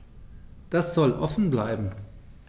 Das soll offen bleiben.